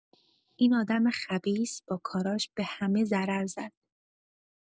این آدم خبیث با کاراش به همه ضرر زد.